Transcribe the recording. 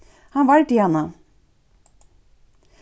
hann vardi hana